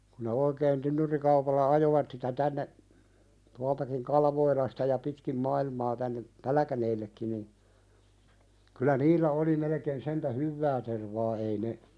kun ne oikein tynnyrikaupalla ajoivat sitä tänne tuoltakin Kalvoilasta ja pitkin maailmaa tänne Pälkäneellekin niin kyllä niillä oli melkein sentään hyvää tervaa ei ne